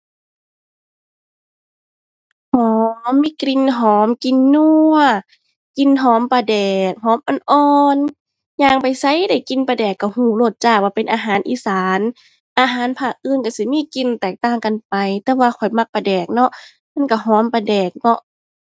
หอม มีกลิ่นหอม กลิ่นนัว กลิ่นหอมปลาแดก หอมอ่อนอ่อน ย่างไปไสได้กลิ่นปลาแดกก็ก็โลดจ้าว่าเป็นอาหารอีสาน อาหารภาคอื่นก็สิมีกลิ่นแตกต่างกันไป แต่ว่าข้อยมักปลาแดกเนาะ มันก็หอมปลาแดกเนาะ